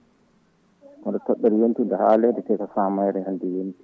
hooɗe poɗɗen yontude haalede tawi ko saaha mayre hakkadi yonti